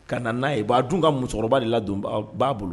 Kana n'a ye bon a dun ka musokɔrɔba de ladonba ɔl b'a bolo